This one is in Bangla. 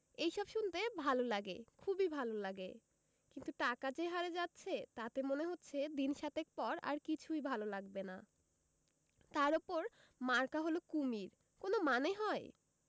এইসব শুনতে ভাল লাগে খুবই ভাল লাগে কিন্তু টাকা যে হারে যাচ্ছে তাতে মনে হচ্ছে দিন সাতেক পর আর কিছুই ভাল লাগবে না তার উপর মার্কা হল কুমীর কোন মানে হয়